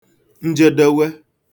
njedewe